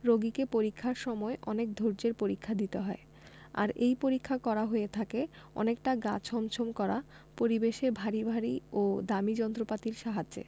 রোগীকে পরীক্ষার সময় অনেক ধৈর্য্যের পরীক্ষা দিতে হয় আর এই পরীক্ষা করা হয়ে থাকে অনেকটা গা ছমছম করা পরিবেশে ভারী ভারী ও দামি যন্ত্রপাতির সাহায্যে